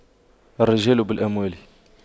الرجال بالأموال